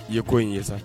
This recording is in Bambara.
I ye ko in ye sa